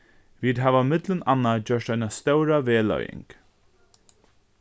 vit hava millum annað gjørt eina stóra vegleiðing